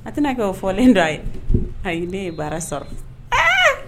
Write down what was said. A tɛna kɛ o fɔlen dɔ a ye. Ayi ne ye baara sɔrɔ.